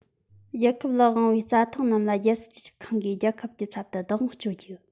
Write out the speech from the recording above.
རྒྱལ ཁབ ལ དབང བའི རྩྭ ཐང རྣམས ལ རྒྱལ སྲིད སྤྱི ཁྱབ ཁང གིས རྒྱལ ཁབ ཀྱི ཚབ ཏུ བདག དབང སྤྱོད རྒྱུ